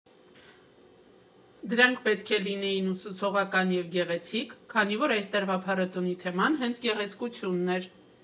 Դրանք պետք է լինեին ուսուցողական և գեղեցիկ, քանի որ այս տարվա փառատոնի թեման հենց գեղեցկությունն էր։